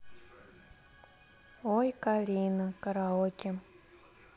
ой калина караоке